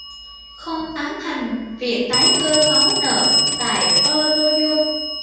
không tán thành việc tái cơ cấu nợ tại eurozone